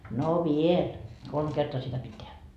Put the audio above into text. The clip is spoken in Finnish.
no vielä kolme kertaa sitä piti tehdä